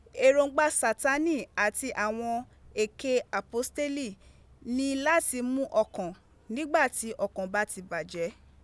Erongba Satani ati awon eke apositeli ni lati mu okan, nigbati okan ba ti baje,